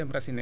waaw